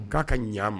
K'a ka ɲ ma